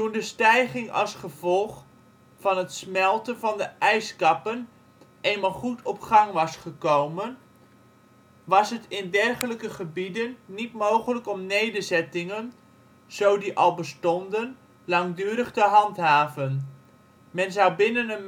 de stijging als gevolg van het smelten van de ijskappen eenmaal goed op gang was gekomen, was het in dergelijke gebieden niet mogelijk om nederzettingen, zo die al bestonden, langdurig te handhaven: men zou binnen een mensenleven